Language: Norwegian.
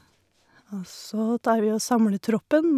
Og så tar vi og samler troppen.